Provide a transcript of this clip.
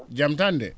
jam tan de